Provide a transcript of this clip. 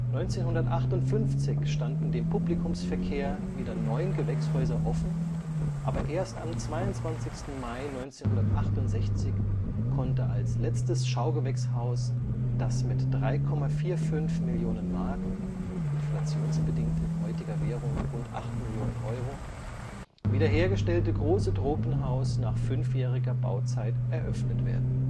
1958 standen dem Publikumsverkehr wieder neun Gewächshäuser offen, aber erst am 22. Mai 1968 konnte als letztes Schaugewächshaus das mit 3,45 Millionen Mark (inflationsbereinigt in heutiger Währung: rund 8 Millionen Euro) wiederhergestellte Große Tropenhaus nach fünfjähriger Bauzeit eröffnet werden